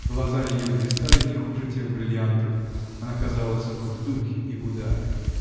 Глаза ее блистали не хуже тех бриллиантов: она казалась в духе и в ударе.